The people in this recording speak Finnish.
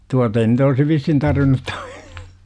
tuota ei nyt olisi vissiin tarvinnut tuo